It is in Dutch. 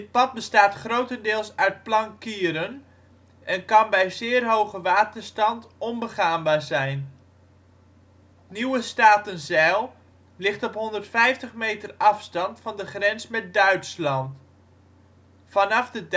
pad bestaat grotendeels uit plankieren en kan bij zeer hoge waterstand onbegaanbaar zijn. Nieuwe Statenzijl ligt op 150 meter afstand van de grens met Duitsland. Vanaf de